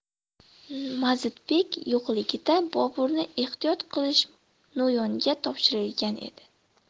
mazidbek yo'qligida boburni ehtiyot qilish no'yonga topshirilgan edi